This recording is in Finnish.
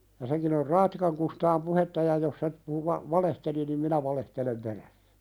ja senkin jos Raattikan Kustaan puhetta ja jos se puhui - valehteli niin minä valehtelen perässä